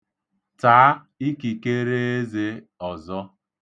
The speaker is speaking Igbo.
Taa ikikereeze ọzọ.